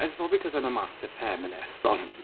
It's probably because I'm a massive feminist, ond...